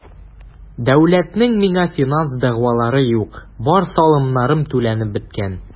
Дәүләтнең миңа финанс дәгъвалары юк, бар салымнарым түләнеп беткән.